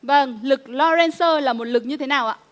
vầng lực lo ren xơ là một lực như thế nào ạ